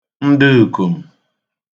ndə̣ə̣ kom̀